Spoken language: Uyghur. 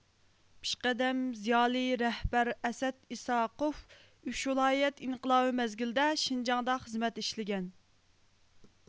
پېشقەدەم زىيالىي رەھبەر ئەسئەت ئىسھاقوف ئۈچ ۋىلايەت ئىنقىلابى مەزگىلىدە شىنجاڭدا خىزمەت ئىشلىگەن